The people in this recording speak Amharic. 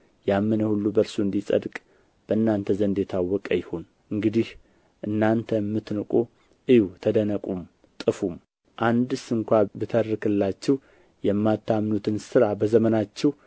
ያመነ ሁሉ በእርሱ እንዲጸድቅ በእናንተ ዘንድ የታወቀ ይሁን እንግዲህ እናንተ የምትንቁ እዩ ተደነቁም ጥፉም አንድ ስንኳ ቢተርክላችሁ የማታምኑትን ሥራ በዘመናችሁ